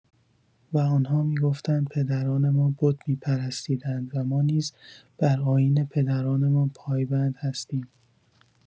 و آنها می‌گفتند پدران ما بت می‌پرستیدند و ما نیز بر آیین پدرانمان پایبند هستیم.